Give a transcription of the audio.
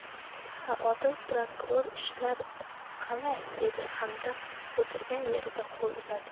ha odil prokuror ishlar qalay dedi hamdam o'tirgan yerida qo'l uzatib